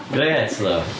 Gret, ddo.